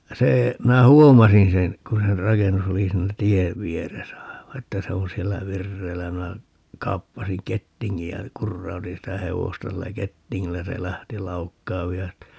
se minä huomasin sen kun sen rakennus oli siinä tien vieressä aivan että se on siellä vireillä ja minä kaappasin kettingin ja kurautin sitä hevosta sillä kettingillä ja se lähti laukkaamaan vihaisesti ja